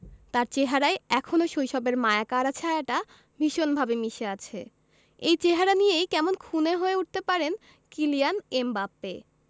তাঁর চেহারায় এখনো শৈশবের মায়াকাড়া ছায়াটা ভীষণভাবে মিশে আছে এই চেহারা নিয়েই কেমন খুনে হয়ে উঠতে পারেন কিলিয়ান এমবাপ্পে